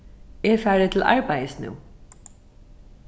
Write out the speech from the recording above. eg fari til arbeiðis nú